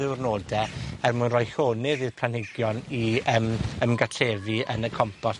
ddiwrnode, er mwyn roi llonydd i'r planhigion i yym, ymgatrefi yn y compost